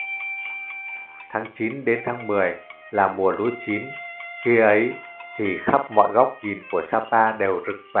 tháng là mùa lúa chín khi ấy thì khắp mọi góc nhìn sapa đều rực vàng